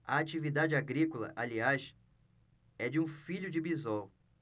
a atividade agrícola aliás é de um filho de bisol